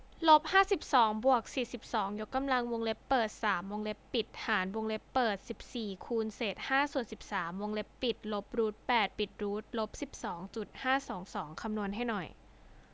ลบห้าสิบสองบวกสี่สิบสองยกกำลังวงเล็บเปิดสามวงเล็บปิดหารวงเล็บเปิดสิบสี่คูณเศษห้าส่วนสิบสามวงเล็บปิดลบรูทแปดปิดรูทลบสิบสองจุดห้าสองสองคำนวณให้หน่อย